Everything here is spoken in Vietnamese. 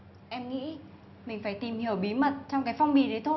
em nghĩ mình phải tìm hiểu bí mật trong cái phong bì đấy thôi